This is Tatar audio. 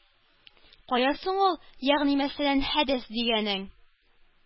Кая соң ул, ягъни мәсәлән, хәдәс дигәнең?